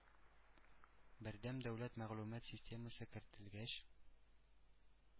Бердәм дәүләт мәгълүмат системасы кертелгәч,